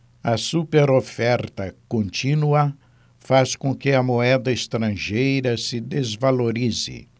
a superoferta contínua faz com que a moeda estrangeira se desvalorize